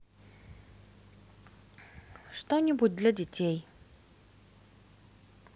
что нибудь для детей